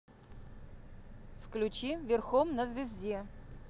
включи верхом на звезде